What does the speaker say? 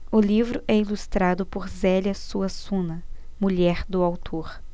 o livro é ilustrado por zélia suassuna mulher do autor